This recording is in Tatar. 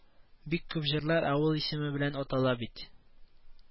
Бик күп җырлар авыл исеме белән атала бит